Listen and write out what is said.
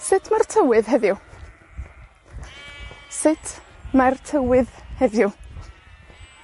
Sut mae'r tywydd heddiw? Sut mae'r tywydd heddiw?